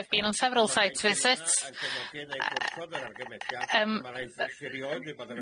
I've been on several site visits y- y- yym.